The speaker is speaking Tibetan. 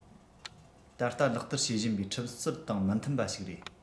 ད ལྟ ལག བསྟར བྱེད བཞིན པའི ཁྲིམས སྲོལ དང མི མཐུན པ རེད